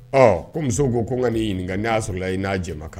Ɔ ko muso ko ko n ka'i ɲininka n'i y'a sɔrɔla i n'a jama kan